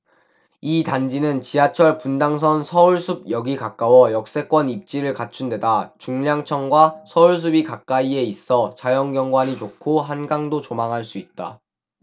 이 단지는 지하철 분당선 서울숲역이 가까워 역세권 입지를 갖춘 데다 중랑천과 서울숲이 가까이에 있어 자연경관이 좋고 한강도 조망할 수 있다